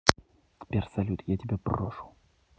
сбер салют я тебя брошу